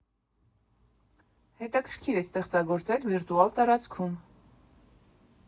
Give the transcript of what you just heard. Հետաքրքիր է ստեղծագործել վիրտուալ տարածքում։